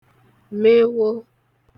mewo